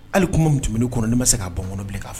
Hali kuma min tun bɛ ne kɔnɔ ne ma se ka bɔ n kɔnɔ bilen k'a fɔ.